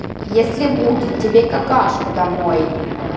если будет тебе какашку домой